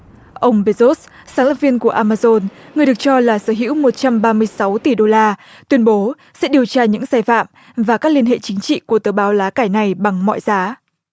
ông bê dốt sáng lập viên của a ma dôn người được cho là sở hữu một trăm ba mươi sáu tỷ đô la tuyên bố sẽ điều tra những sai phạm và các liên hệ chính trị của tờ báo lá cải này bằng mọi giá